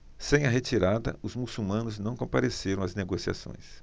sem a retirada os muçulmanos não compareceram às negociações